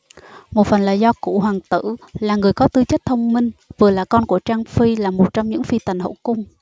một phần là do cửu hoàng tử là người có tư chất thông minh vừa là con của trang phi là một trong những phi tần hậu cung